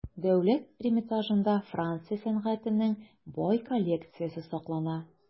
Дәүләт Эрмитажында Франция сәнгатенең бай коллекциясе саклана.